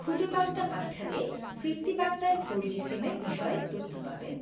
খুদে বার্তা পাঠালে ফিরতি বার্তায় ফোরজি সিমের বিষয়ে তথ্য পাবেন